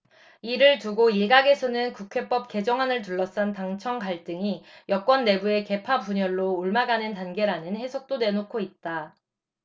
이를 두고 일각에서는 국회법 개정안을 둘러싼 당청 갈등이 여권 내부의 계파 분열로 옮아가는 단계라는 해석도 내놓고 있다